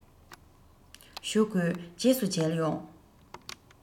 བཞུགས དགོས རྗེས སུ མཇལ ཡོང